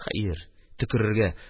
Хәер, төкерергә